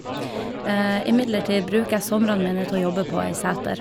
Imidlertid bruker jeg somrene mine til å jobbe på ei seter.